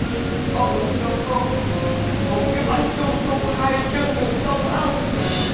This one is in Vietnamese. ông hãy cho con một cái bánh trung thu hai trứng được không ông